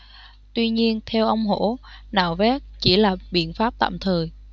tuy nhiên theo ông hổ nạo vét chỉ là biện pháp tạm thời